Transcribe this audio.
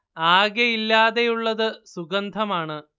ആകെ ഇല്ലാതെയുള്ളത് സുഗന്ധമാണ്